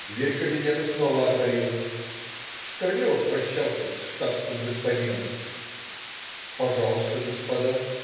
Дверь кабинета снова отворилась: Корнилов прощался с штатским господином. "Пожалуйста, господа".